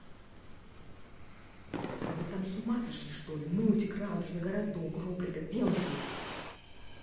вы там с ума сошли что ли мультик радужный городок рубика где он здесь